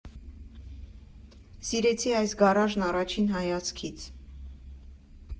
Սիրեցի այս գարաժն առաջին հայացքից»։